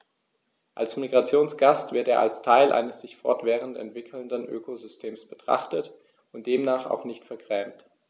Als Migrationsgast wird er als Teil eines sich fortwährend entwickelnden Ökosystems betrachtet und demnach auch nicht vergrämt.